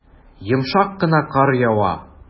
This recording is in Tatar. Йомшак кына кар ява.